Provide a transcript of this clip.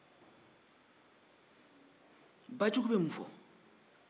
bajugu be mun fɔ